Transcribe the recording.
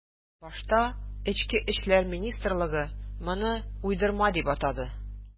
Башта эчке эшләр министрлыгы моны уйдырма дип атады.